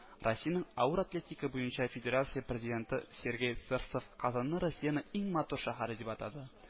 Россиянең авыр атлетика буенча федерация президенты Сергей Сырцов Казанны Россиянең иң матур шәһәре дип атады